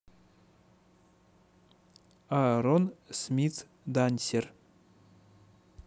aaron smith dancer